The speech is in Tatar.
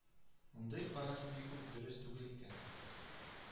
Мондый караш бик үк дөрес түгел икән